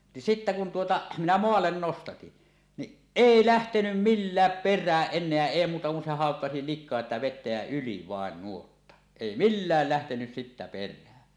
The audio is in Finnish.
niin sitten kun tuota minä maalle nostatin niin ei lähtenyt millään perään enää ei muuta kuin se haukkasi liikaa sitä vettä ja yli vain nuotta ei millään lähtenyt sitten perään